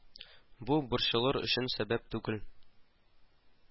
Бу борчылыр өчен сәбәп түгел